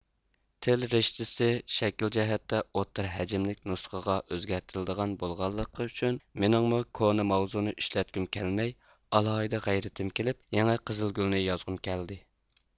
تىل رىشتىسى شەكىل جەھەتتە ئوتتۇرا ھەجىملىك نۇسخىغا ئۆزگەرتىلىدىغان بولغانلىقى ئۈچۈن مېنىڭمۇ كونا ماۋزۇنى ئىشلەتكۈم كەلمەي ئالاھىدە غەيرىتىم كېلىپ يېڭى قىزىلگۈلنى يازغۇم كەلدى